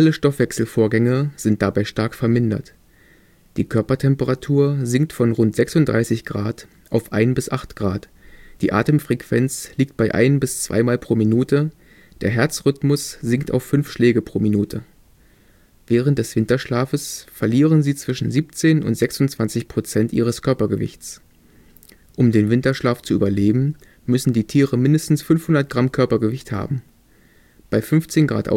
Stoffwechselvorgänge sind dabei stark vermindert. Die Körpertemperatur sinkt von rund 36 Grad auf ein bis acht Grad, die Atemfrequenz liegt bei ein - bis zweimal pro Minute, der Herzrhythmus sinkt auf fünf Schläge pro Minute. Während des Winterschlafes verlieren sie zwischen 17 und 26 Prozent ihres Körpergewichtes. Um den Winterschlaf zu überleben, müssen die Tiere mindestens 500 Gramm Körpergewicht haben. Bei 15 Grad